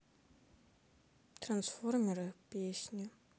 трансформеры песни